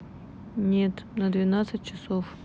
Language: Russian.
нет на двенадцать часов